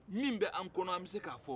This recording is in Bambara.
min b'an kɔnɔ an bɛ se ka fɔ